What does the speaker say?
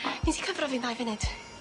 Neu' ti cyfro fi ddau funud?